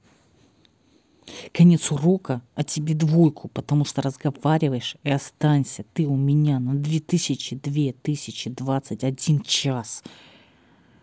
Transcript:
конец урока о тебе двойку потому что разговариваешь и останься ты у меня на две тысячи две тысячи двадцать один час